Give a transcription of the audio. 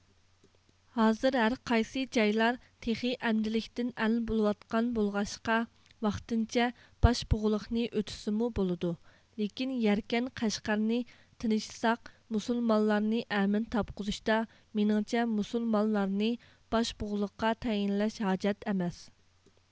ھازىر ھەرقايسى جايلار تېخى ئەمدىلىكتىن ئەل بولۇۋاتقان بولغاچقا ۋاقتىنچە باشبۇغىلىقنى ئۆتىسىمۇ بولىدۇ لېكىن يەركەن قەشقەرنى تىنجىتساق مۇسۇلمانلارنى ئەمىن تاپقۇزۇشتا مېنىڭچە مۇسۇلمانلارنى باشبۇغلىققا تەيىنلەش ھاجەت ئەمەس